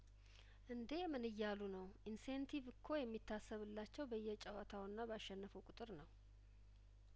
እንዴምን እያሉ ነው ኢንሴንቲቭ እኮ የሚታሰብላቸው በየጨዋታውና ባሸነፉ ቁጥር ነው